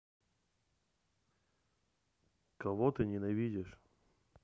кого ты ненавидишь